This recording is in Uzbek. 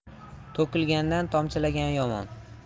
to'kilgandan tomchilagan yomon